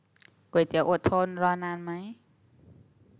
ก๋วยเตี๋ยวอดทนรอนานไหม